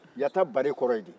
yatabare kɔrɔ ye di